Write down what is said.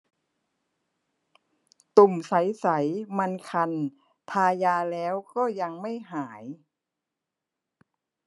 ตุ่มใสใสมันคันทายาแล้วก็ยังไม่หาย